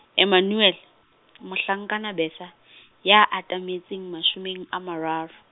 Emmanuele , mohlankana Bertha , ya atametseng mashome a mararo.